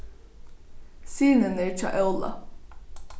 synirnir hjá óla